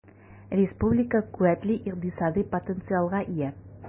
Республика куәтле икътисади потенциалга ия.